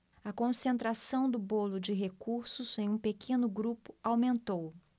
a concentração do bolo de recursos em um pequeno grupo aumentou